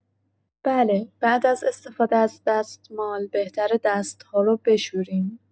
بله، بعد از استفاده از دستمال بهتره دست‌ها رو بشوریم.